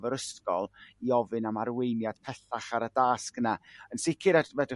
efo'r ysgol i ofyn am arweiniad pellach ar y dasg 'na yn sicr fedrwch